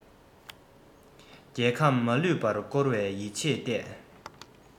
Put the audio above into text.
རྒྱལ ཁམས མ ལུས པར བསྐོར བའི ཡིད ཆེས བརྟས